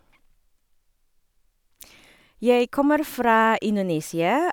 Jeg kommer fra Indonesia.